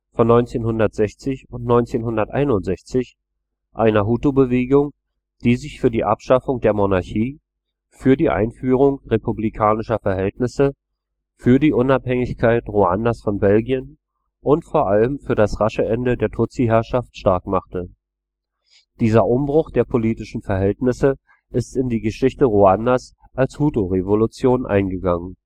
von 1960 und 1961, einer Hutu-Bewegung, die sich für die Abschaffung der Monarchie, für die Einführung republikanischer Verhältnisse, für die Unabhängigkeit Ruandas von Belgien und vor allem für das rasche Ende der Tutsi-Herrschaft stark machte. Dieser Umbruch der politischen Verhältnisse ist in die Geschichte Ruandas als Hutu-Revolution eingegangen